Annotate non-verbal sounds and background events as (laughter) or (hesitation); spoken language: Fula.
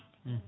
(hesitation) (hesitation)